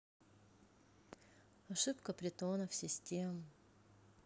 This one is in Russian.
ошибка притонов систем